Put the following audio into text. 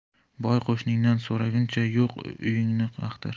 boy qo'shningdan so'raguncha yo'q uyingni axtar